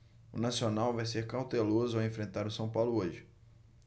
o nacional vai ser cauteloso ao enfrentar o são paulo hoje